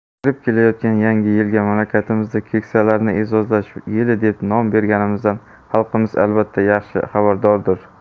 kirib kelayotgan yangi yilga mamlakatimizda keksalarni e'zozlash yili deb nom berganimizdan xalqimiz albatta yaxshi xabardordir